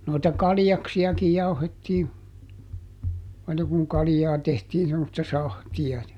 noita kaljaksiakin jauhettiin aina kun kaljaa tehtiin semmoista sahtia ja